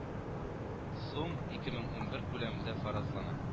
Сум ике мең унбер күләмендә фаразлана